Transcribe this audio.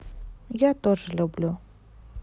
я тоже люблю